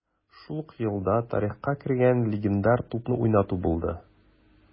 Шул ук елда тарихка кергән легендар тупны уйнату булды: